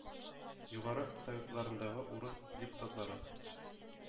Югары Советларындагы урыс депутатлары,